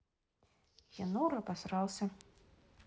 янур обосрался